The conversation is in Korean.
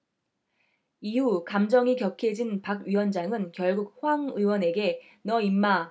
이후 감정이 격해진 박 위원장은 결국 황 의원에게 너 임마